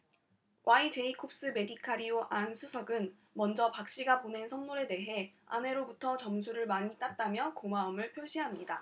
와이제이콥스메디칼이요 안 수석은 먼저 박 씨가 보낸 선물에 대해 아내로부터 점수를 많이 땄다며 고마움을 표시합니다